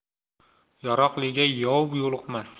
yaroqliga yov yo'liqmas